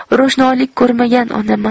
ro'shnolik ko'rmagan onam a